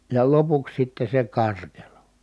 ja lopuksi sitten se karkelo